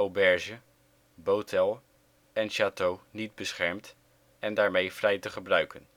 auberge, botel en chateau niet beschermd en daarmee vrij te gebruiken